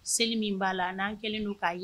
Seli min b'a la n'an kɛlen de k'a ye